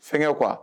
Fɛnkɛ quoi